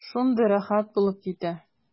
Шундый рәхәт булып китә.